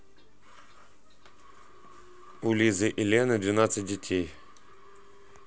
у лизы и лены двенадцать детей